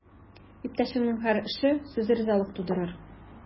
Иптәшеңнең һәр эше, сүзе ризалык тудырыр.